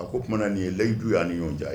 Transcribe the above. A ko kumaumana nin ye layij y' ni ɲɔgɔn cɛ